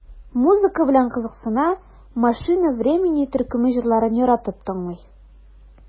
Музыка белән кызыксына, "Машина времени" төркеме җырларын яратып тыңлый.